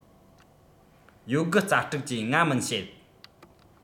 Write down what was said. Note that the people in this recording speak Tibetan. ཡོད རྒུ རྩལ སྤྲུགས ཀྱིས ང མིན བཤད